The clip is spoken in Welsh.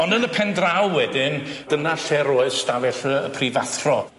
On' yn y pen draw wedyn dyna lle roedd ystafell yy y prifathro.